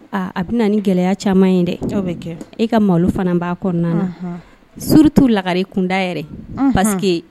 Aaa a bɛ na ni gɛlɛya caman in dɛ e ka malo fana b'a kɔnɔna na s ttuu lagare kunda yɛrɛ paseke